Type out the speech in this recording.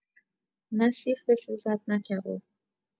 نه سیخ بسوزد نه کباب